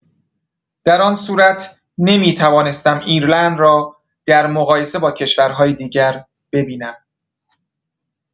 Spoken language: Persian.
در آن صورت نمی‌توانستم ایرلند را در مقایسه با کشورهای دیگر ببینم.